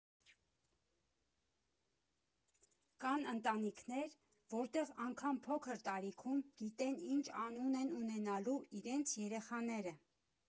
Կան ընտանիքներ, որտեղ անգամ փոքր տարիքում գիտեն ինչ անուն են ունենալու իրենց երեխաները։